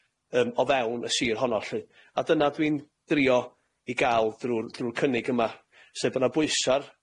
yym o fewn y sir honno lly, a dyna dwi'n drio 'i ga'l drw'r drw'r cynnig yma, sef bo' na bwysa a'r